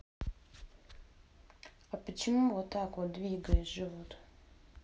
а почему то вот так вот двигаешь живут